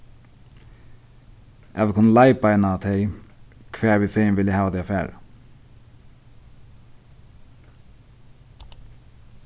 at vit kunnu leiðbeina tey hvar vit fegin vilja hava tey at fara